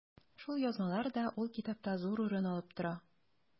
Шул язмалар да ул китапта зур урын алып тора.